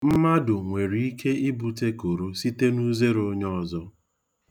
Mmadụ nwere ike ibute koro site uzere onye ọzọ.